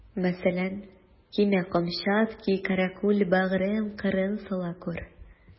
Мәсәлән: Кимә камчат, ки каракүл, бәгърем, кырын сала күр.